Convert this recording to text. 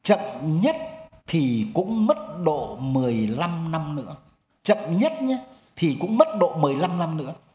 chậm nhất thì cũng mất độ mười lăm năm nữa chậm nhất nhớ thì cũng mất độ mười lăm năm nữa